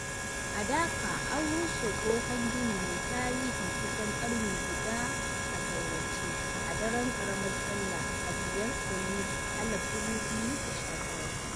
A Dhaka, an rushe tsohon gini mai tarihin kusan ƙarni guda a asirce a daren ƙaramar salla a 5 ga Yuni, 2019.